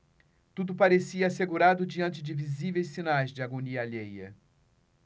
tudo parecia assegurado diante de visíveis sinais de agonia alheia